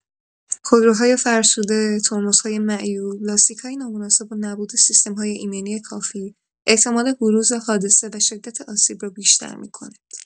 خودروهای فرسوده، ترمزهای معیوب، لاستیک‌های نامناسب و نبود سیستم‌های ایمنی کافی، احتمال بروز حادثه و شدت آسیب را بیشتر می‌کنند.